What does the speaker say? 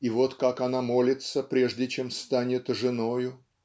И вот как она молится, прежде чем станет женою